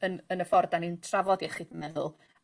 yn yn y ffor 'dan ni'n trafod iechyd meddwl